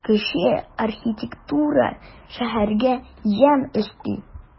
Кече архитектура шәһәргә ямь өсти.